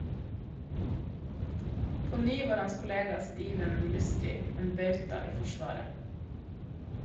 På ny var hans kollega Steven Lustü en bauta i forsvaret.